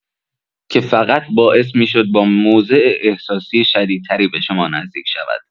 که فقط باعث می‌شد با موضع احساسی شدیدتری به شما نزدیک شود.